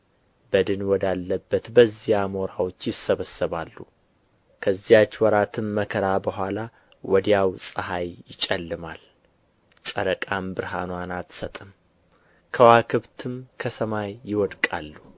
በድን ወዳለበት በዚያ አሞራዎች ይሰበሰባሉ ከዚያች ወራትም መከራ በኋላ ወዲያው ፀሐይ ይጨልማል ጨረቃም ብርሃንዋን አትሰጥም ከዋክብትም ከሰማይ ይወድቃሉ